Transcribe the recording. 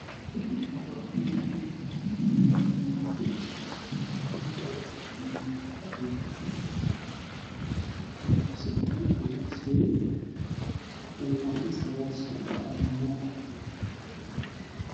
Muhaboor ku dhigaankana hortiisa waxaa ku sawiran naag qabto saako iyo masar madoow ah